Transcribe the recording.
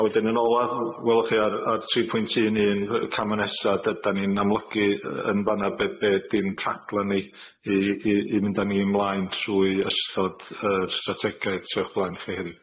A wedyn yn ola w- welwch chi ar ar tri pwynt un un yy y cama' nesa dy- dan ni'n amlygu yy yn fan'na be' be' 'di'n rhaglan ni i i i mynd â ni ymlaen trwy ystod yr strategaeth sy o'ch blaen i chi heddiw.